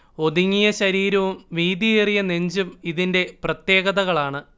ഒതുങ്ങിയ ശരീരവും വീതിയേറിയ നെഞ്ചും ഇതിന്റെ പ്രത്യേകതകളാണ്